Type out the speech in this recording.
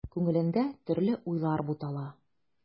Күңелендә төрле уйлар бутала.